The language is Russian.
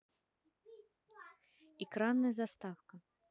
экранная заставка